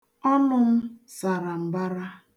Ọnụ m sara mbara.